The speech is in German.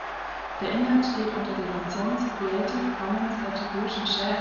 Der Inhalt steht unter der Lizenz Creative Commons Attribution Share